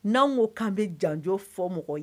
N'an ko kan bɛ janjo fɔ mɔgɔw ye !